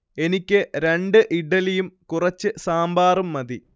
എനിക്ക് രണ്ട് ഇഡ്ഢലിയും കുറച്ച് സാമ്പാറും മതി